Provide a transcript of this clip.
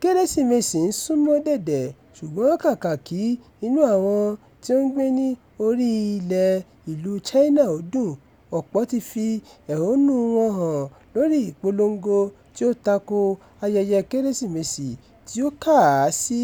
Kérésìmesì ń sún mọ́ dẹ̀dẹ̀ ṣùgbọ́n kàkà kí inú àwọn tí ó ń gbé ní orí-ilẹ̀ ìlú China ò dùn, ọ̀pọ́ ti fi ẹ̀hónú-u wọn hàn lórí ìpolongo tí ó tako ayẹyẹ Kérésìmesì tí ó kà á sí